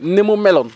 ni mu meloon